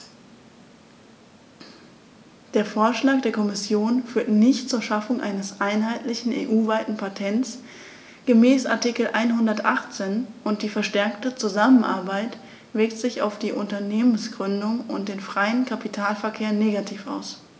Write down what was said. Der Vorschlag der Kommission führt nicht zur Schaffung eines einheitlichen, EU-weiten Patents gemäß Artikel 118, und die verstärkte Zusammenarbeit wirkt sich auf die Unternehmensgründung und den freien Kapitalverkehr negativ aus.